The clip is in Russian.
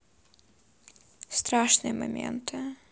страшные моменты